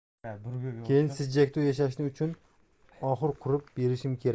keyin sijjakda u yashashi uchun oxur qurib berishim kerak